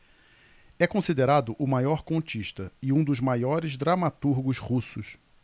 é considerado o maior contista e um dos maiores dramaturgos russos